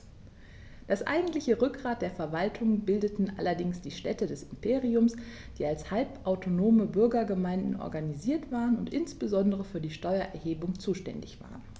Das eigentliche Rückgrat der Verwaltung bildeten allerdings die Städte des Imperiums, die als halbautonome Bürgergemeinden organisiert waren und insbesondere für die Steuererhebung zuständig waren.